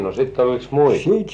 no sitten olikos muita